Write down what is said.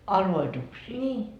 arvoituksia